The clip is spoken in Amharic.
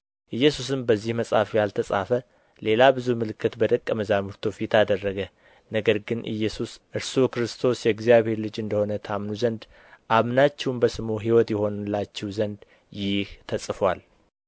ኢየሱስም በዚህ መጽሐፍ ያልተጻፈ ሌላ ብዙ ምልክት በደቀ መዛሙርቱ ፊት አደረገ ነገር ግን ኢየሱስ እርሱ ክርስቶስ የእግዚአብሔር ልጅ እንደ ሆነ ታምኑ ዘንድ አምናችሁም በስሙ ሕይወት ይሆንላችሁ ዘንድ ይህ ተጽፎአል